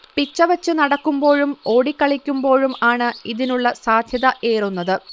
പിച്ചവച്ചു നടക്കുമ്പോഴും ഓടിക്കളിക്കുമ്പോഴും ആണ് ഇതിനുള്ള സാധ്യത ഏറുന്നത്